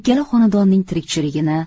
ikkala xonadonning tirikchiligini